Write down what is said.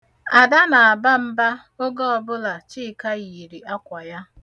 Ada na-aba mba oge ọbụla Chika yiri akwa ya.